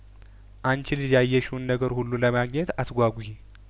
የሰርጉ አንቺ ልጅ ያየሽውን ነገር ሁሉ ለማግኘት አትጓጉ ወጥ ኩችም ተደርጐ ነው የተሰራው